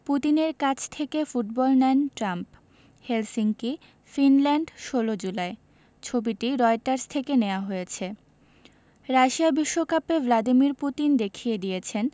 পুতিনের কাছ থেকে ফুটবল নেন ট্রাম্প হেলসিঙ্কি ফিনল্যান্ড ১৬ জুলাই ছবিটি রয়টার্স থেকে নেয়া হয়েছে রাশিয়া বিশ্বকাপে ভ্লাদিমির পুতিন দেখিয়ে দিয়েছেন